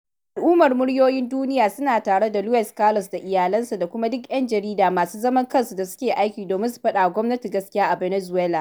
Al'ummar Muryoyin Duniya suna tare da Luis Carlos da iyalansa da kuma duk 'yan jaridu masu zaman kansu da suke aiki domin su faɗawa gwamnati gaskiya a ɓenezuwela.